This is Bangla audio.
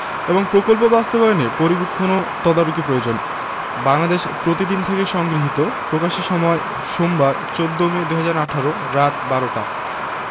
এবং প্রকল্প বাস্তবায়নে পরিবীক্ষণ ও তদারকি প্রয়োজন বাংলাদেশ প্রতিদিন থেকে সংগৃহীত প্রকাশের সময় সোমবার ১৪ মে ২০১৮ রাত ১২টা